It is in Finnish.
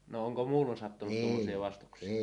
no onko muulloin sattunut tuommoisia vastuksia